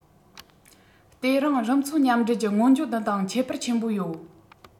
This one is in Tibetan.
དེ རིང རིམ མཚུངས མཉམ འགྲན གྱི སྔོན སྦྱོང འདི དང ཁྱད པར ཆེན པོ ཡོད